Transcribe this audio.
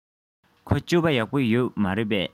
ཁོའི སྤྱོད པ ཡག པོ ཡོད མ རེད པས